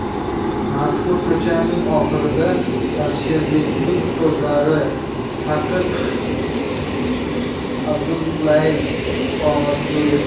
mazkur ko'chaning oxirida alisherbekning ustozlari faqih abdullays istiqomat qilur edi